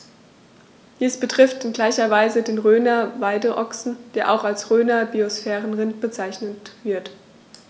Dies betrifft in gleicher Weise den Rhöner Weideochsen, der auch als Rhöner Biosphärenrind bezeichnet wird.